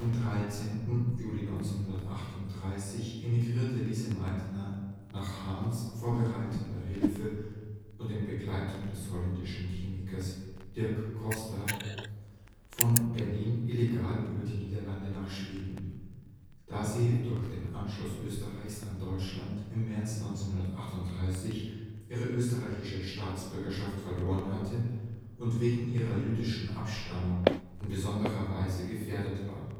13. Juli 1938 emigrierte Lise Meitner nach Hahns vorbereitender Hilfe und in Begleitung des holländischen Chemikers Dirk Coster von Berlin illegal über die Niederlande nach Schweden, da sie durch den Anschluss Österreichs an Deutschland im März 1938 ihre österreichische Staatsbürgerschaft verloren hatte und wegen ihrer jüdischen Abstammung in besonderer Weise gefährdet war